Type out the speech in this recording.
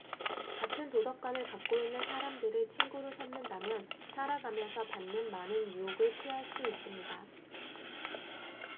같은 도덕관을 갖고 있는 사람들을 친구로 삼는다면 살아가면서 받는 많은 유혹을 피할 수 있습니다